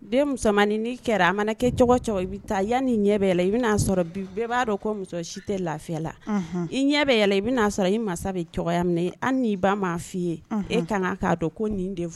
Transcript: Den musomanmani' kɛra a mana kɛ i bɛ taa yan ni ɲɛ bɛ la i bɛnaa sɔrɔ bɛɛ b'a dɔn ko muso si tɛ lafi la i ɲɛ bɛ yɛlɛ i sɔrɔ i mansa bɛya minɛ an nii ba ma f fɔ i ye e kan kan k'a dɔn ko nin den fɔ